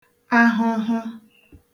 ahụhụ